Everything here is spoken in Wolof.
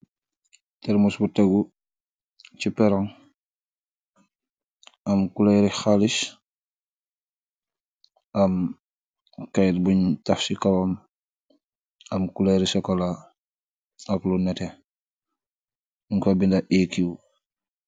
Termus bu teggu ci perang am kuleeri xalish am kayt buñ taxchi kowam am kuleeri sokola ak lu nete uñ fa binda eekiw.